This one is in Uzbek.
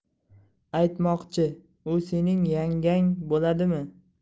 aytmoqchi u sening yangang boladimi